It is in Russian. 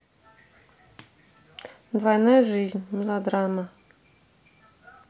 двойная жизнь мелодрама